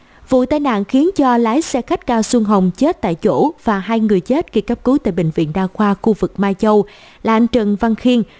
vụ tai nạn khiến lái xe khách cao xuân hồng chết tại chỗ và người chết khi cấp cứu tại bệnh viện đa khoa khu vực mai châu là anh trần văn khiên